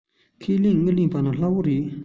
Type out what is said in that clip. ཁས ལེན དངུལ ལེན པ ནི སླ བོར རེད